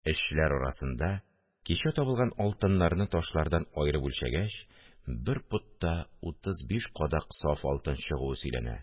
Эшчеләр арасында, кичә табылган алтыннарны ташлардан аерып үлчәгәч, бер пот та утыз биш кадак саф алтын чыгуы сөйләнә